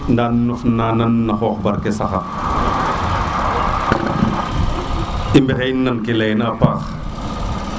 nda nof na nan na xox barke saxa i mbexey nan ke leye na a paax